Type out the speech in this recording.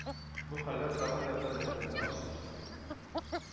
Бу хәлләр тагын да бер нәрсәне ачык күрсәтә: